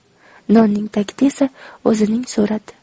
nonning tagida esa o'zining surati